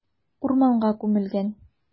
Урманга күмелгән.